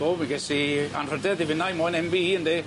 Wel fi ges i anrhydedd i finnau moyn Em Bee Ee ynde?